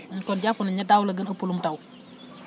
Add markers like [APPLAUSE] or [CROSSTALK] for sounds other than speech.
[HESITATION] kon jàpp nañ ne daaw la gën a ëpp lu mu taw